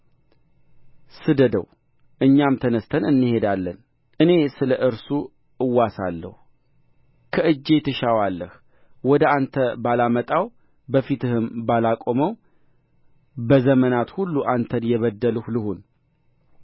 ስደደው እኛም ተነሥተን እንሄዳለን እኔ ስለ እርሱ እዋሳለሁ ከእጄ ትሻዋለህ ወደ አንተ ባላመጣው በፊትህም ባላቆመው በዘመናት ሁሉ አንተን የበደልሁ ልሁን